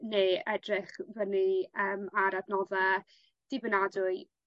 Ne' edrych fyny yym ar adnodde dibynadwy